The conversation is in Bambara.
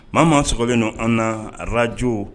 Maa ma min na an na ararajo